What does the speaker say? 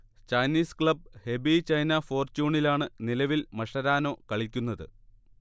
Chinese club Hebei China ഫോർച്യുണിലാണ് നിലവിൽ Mascherano കളിക്കുന്നത്